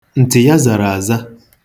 Ntị ya zara aza.